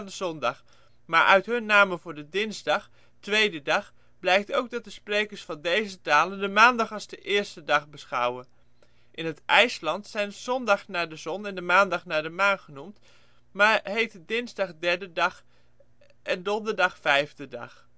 zondag ', maar uit hun namen voor de dinsdag (tweede dag), blijkt dat ook de sprekers van deze talen de maandag als de eerste dag beschouwen. In het IJslands zijn de zondag naar de zon en de maandag naar de maan genoemd, maar heten dinsdag ' derde dag ' en donderdag ' vijfde dag